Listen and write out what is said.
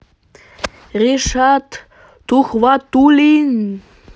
ришат тухватуллин